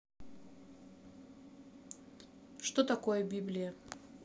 что такое библия